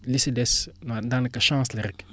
li si des waaw daanaka chance la rek